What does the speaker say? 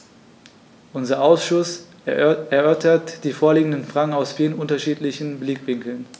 Unser Ausschuss erörtert die vorliegenden Fragen aus vielen unterschiedlichen Blickwinkeln.